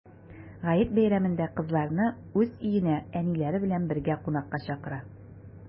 Гает бәйрәмендә кызларны уз өенә әниләре белән бергә кунакка чакыра.